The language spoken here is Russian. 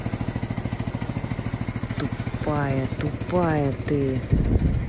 тупая тупая ты